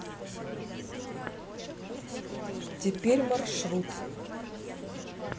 теперь маршрут